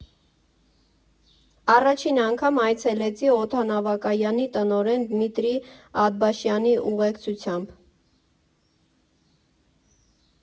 Առաջին անգամ այցելեցի օդանավակայանի տնօրեն Դմիտրի Աթբաշյանի ուղեկցությամբ։